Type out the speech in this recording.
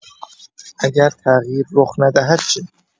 اگر تغییر رخ ندهد چه؟